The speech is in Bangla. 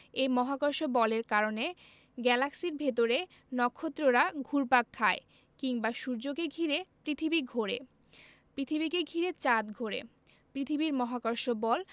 এই মহাকর্ষ বলের কারণে গ্যালাক্সির ভেতরে নক্ষত্ররা ঘুরপাক খায় কিংবা সূর্যকে ঘিরে পৃথিবী ঘোরে পৃথিবীকে ঘিরে চাঁদ ঘোরে পৃথিবীর মহাকর্ষ বল